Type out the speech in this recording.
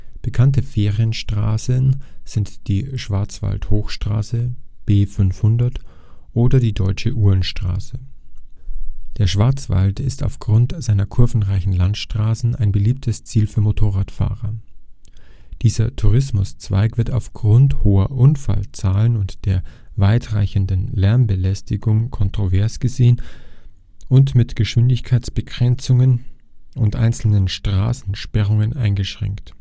Bekannte Ferienstraßen sind die Schwarzwaldhochstraße (B 500) oder die Deutsche Uhrenstraße. Der Schwarzwald ist aufgrund seiner kurvenreichen Landstraßen ein beliebtes Ziel für Motorradfahrer. Dieser Tourismuszweig wird aufgrund hoher Unfallzahlen und der weitreichenden Lärmbelastung kontrovers gesehen und mit Geschwindigkeitsbegrenzungen und einzelnen Straßensperrungen eingeschränkt